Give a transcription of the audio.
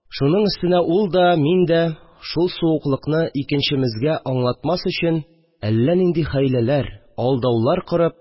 Шуның өстенә ул да, мин дә, шул суыклыкны икенчемезгә аңлатмас өчен, әллә нинди хәйләләр, алдаулар корып